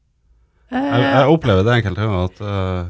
jeg opplever det enkelte ganger at .